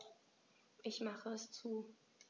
Ich mache es zu.